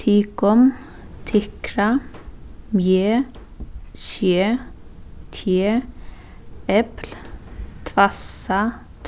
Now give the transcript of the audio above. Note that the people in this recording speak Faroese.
tykum tykra meg seg teg epli tvassa